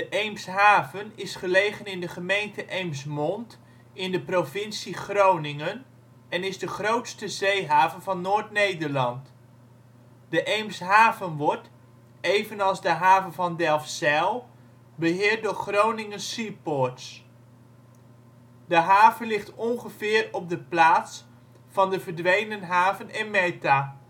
Eemshaven is gelegen in de gemeente Eemsmond in de provincie Groningen en is de grootste zeehaven van Noord-Nederland. De Eemshaven wordt, evenals de haven van Delfzijl, beheerd door Groningen Seaports. De haven ligt ongeveer op de plaats van de verdwenen haven Emetha